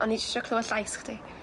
O'n i jys isio clywad llais chdi.